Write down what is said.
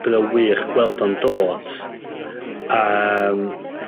bydd o wych gweld o'n dod, yym